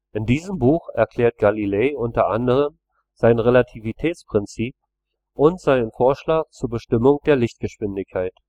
In diesem Buch erklärte Galilei unter anderem sein Relativitätsprinzip und seinen Vorschlag zur Bestimmung der Lichtgeschwindigkeit